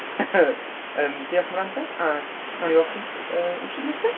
Yym, diolch am wrando, a wnawn ni weld chi yy wythnos nesaf.